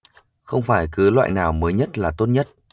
không phải cứ loại nào mới nhất là tốt nhất